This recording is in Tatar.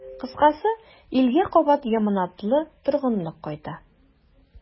Кыскасы, илгә кабат яманатлы торгынлык кайта.